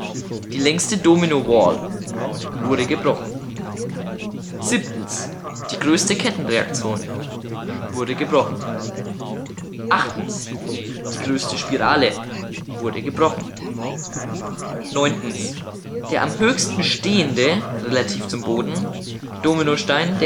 Die längste Domino-Wall - wurde gebrochen Die größte Kettenreaktion - wurde gebrochen Die größte Spirale - wurde gebrochen Der am höchsten stehende (relativ zum Boden) Dominostein